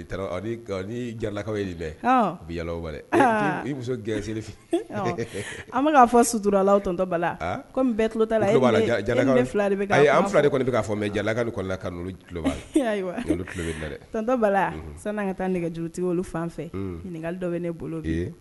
Kaw bi i g ana fɔ sutura latɔ bala mɛ jalakali kalotɔ bala sani ka taa nɛgɛ juruurutigiw olu fan fɛ ninka dɔ bɛ ne bolo